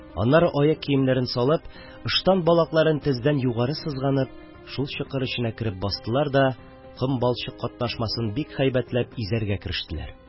Аннары аяк киемнәрен салып, ыштан балакларын тездән югары сызганып шул чокыр эченә кереп бастылар да, ком-балчык катнашмасын бик әйбәтләп изәргә керештеләр.